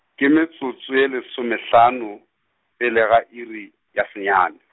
ke metsotso ye lesomehlano, pele ga iri, ya senyane.